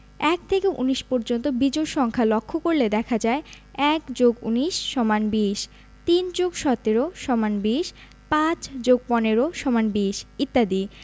১ থেকে ১৯ পর্যন্ত বিজোড় সংখ্যা লক্ষ করলে দেখা যায় ১+১৯=২০ ৩+১৭=২০ ৫+১৫=২০ ইত্যাদি